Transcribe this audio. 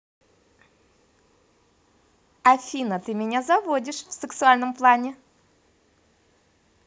афина ты меня заводишь в сексуальном плане